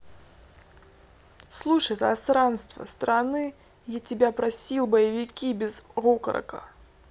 слушай засранство страны я тебя просил боевики без окорока